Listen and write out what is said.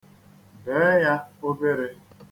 Bee ya obere.